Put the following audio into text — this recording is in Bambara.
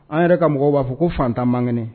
An yɛrɛ ka mɔgɔ b'a fɔ ko fatan mangi